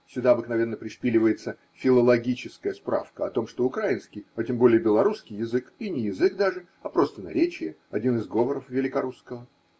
Сюда обыкновенно пришпиливается филологическая справка о том, что украинский (а тем более белорусский) язык не язык даже, а просто наречие, один из говоров великорусского.